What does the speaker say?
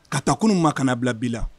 Ka ta kunun ma kana bila bi la